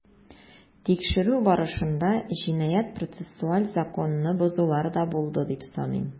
Тикшерү барышында җинаять-процессуаль законны бозулар да булды дип саныйм.